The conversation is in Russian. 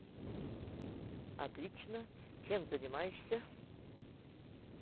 отлично чем занимаешься